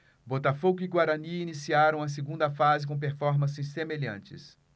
botafogo e guarani iniciaram a segunda fase com performances semelhantes